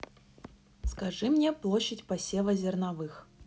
скажи мне площадь посева зерновых